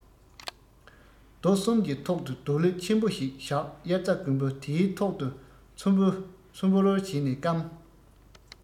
རྡོ གསུམ གྱི ཐོག ཏུ རྡོ ལེབ ཆེན པོ ཞིག བཞག དབྱར རྩྭ དགུན འབུ དེའི ཐོག ཏུ ཚོམ བུ ཚོམ བུར བྱས ནས བསྐམས